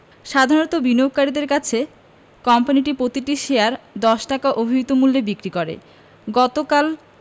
সাধারণ বিনিয়োগকারীদের কাছে কোম্পানিটি প্রতিটি শেয়ার ১০ টাকা অভিহিত মূল্যে বিক্রি করে গতকাল